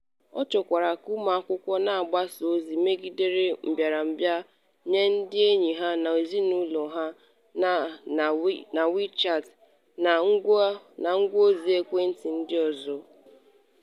Ọ chọkwara ka ụmụakwụkwọ na-agbasa ozi megidere mbịarambịa nye ndị enyi ha na ndị ezinaụlọ ha na Wechat na ngwàozi ekwentị ndị ọzọ.